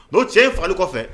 O cɛ fali kɔfɛ